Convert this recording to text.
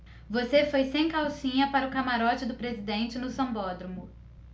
você foi sem calcinha para o camarote do presidente no sambódromo